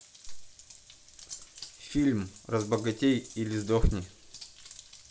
фильм разбогатей или сдохни